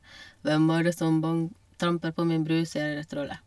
, sier trollet.